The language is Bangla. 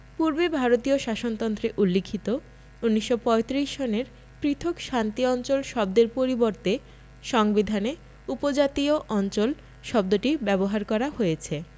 পূর্বে ভারতীয় শাসনতন্ত্রে উল্লিখিত ১৯৩৫ সনের পৃথক শান্তি অঞ্চল শব্দের পরিবর্তে সংবিধানে উপজাতীয় অঞ্চল শব্দটি ব্যবহার করা হয়েছে